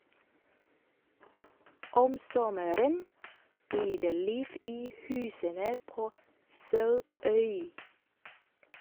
Om sommeren blir det liv i husene på Sauøy.